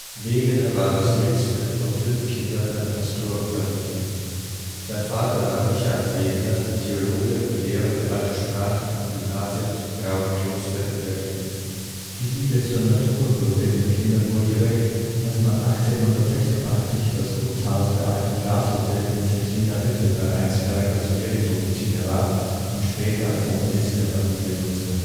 Wegener war das jüngste von fünf Kindern einer Pastorenfamilie. Sein Vater war Richard Wegener, Theologe und Lehrer für Alte Sprachen am Gymnasium zum Grauen Kloster in Berlin. Die Liebe zur Natur wurde in den Kindern wohl geweckt, als man 1886 das Gutshaus der alten Glashütte in Zechlinerhütte bei Rheinsberg als Feriendomizil erwarb und später als Wohnsitz der Familie nutzte